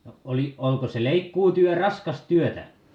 no oli oliko se leikkuutyö raskasta työtä